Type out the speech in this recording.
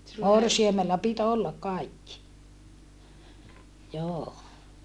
morsiamella piti olla kaikki joo